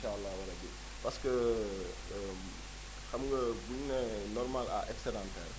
incha allahu rabi parce que xam nga bu ñu nee normal à excedentaire